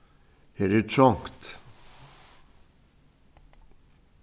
her er trongt